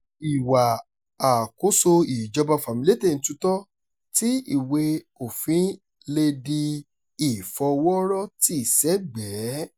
Ìwà àkóso ìjọba fàmílétèntutọ́, tí ìwé òfin lè di ìfọwọ́rọ́tìsẹ́gbẹ̀ẹ́...